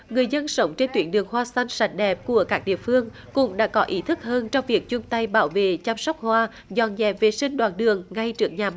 người dân sống trên tuyến đường hoa xanh sạch đẹp của các địa phương cũng đã có ý thức hơn trong việc chung tay bảo vệ chăm sóc hoa dọn dẹp vệ sinh đoạn đường ngay trước nhà